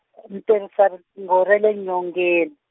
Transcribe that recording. tirhisa riqingho ra le nyongeni.